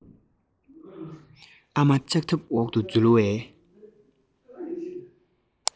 ཨ མ ལྕགས ཐབ འོག ཏུ འཛུལ བའི